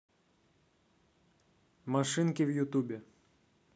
машинки в ютубе